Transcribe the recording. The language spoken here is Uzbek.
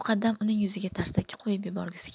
muqaddam uning yuziga tarsaki qo'yib yuborgisi